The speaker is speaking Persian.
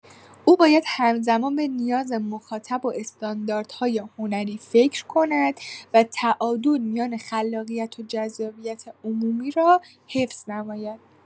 او باید همزمان به نیاز مخاطب و استانداردهای هنری فکر کند و تعادل میان خلاقیت و جذابیت عمومی را حفظ نماید.